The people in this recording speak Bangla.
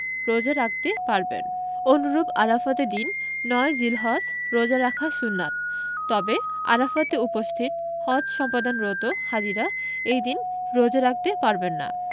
রোজা রাখতে পারবেন অনুরূপ আরাফাতের দিন ৯ জিলহজ রোজা রাখা সুন্নাত তবে আরাফাতে উপস্থিত হজ সম্পাদনরত হাজিরা এই দিন রোজা রাখতে পারবেন না